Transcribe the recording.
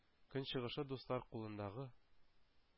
Көн чыгышы дуслар кулындагы